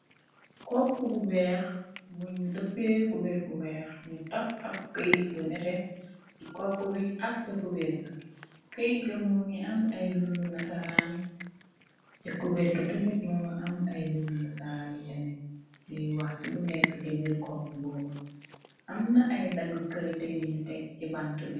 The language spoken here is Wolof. kopp bu weex bu ñu dëppee kubergu weex ñu taf ab këyit bu nete ci kopp bi ak ca kouberg këyit ga moo ngi am ay mbindu na saraan ca cuberg tamit moo nga am ay mbindu na saraan yu cane luy wax ci lu nekk te biir kopp booba am na ay dagg karite yuñu teg ci bant bi